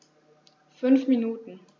5 Minuten